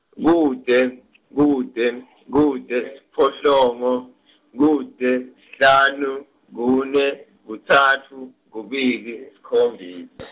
kute , kute, kute, siphohlongo, kute, sihlanu, kune, kutsatfu, kubili, sikhombisa.